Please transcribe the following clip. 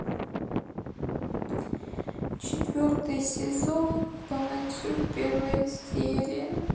четвертый сезон пацанок первая серия